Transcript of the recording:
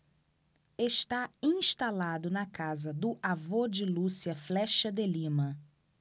está instalado na casa do avô de lúcia flexa de lima